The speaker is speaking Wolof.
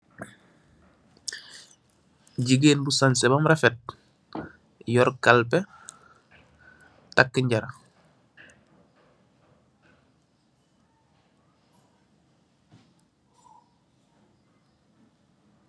Jigain bu sanseh bam rafet, yorr kalpeh, tak njarra.